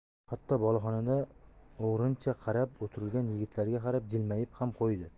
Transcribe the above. hatto boloxonada o'g'rincha qarab o'tirgan yigitlarga qarab jilmayib ham qo'ydi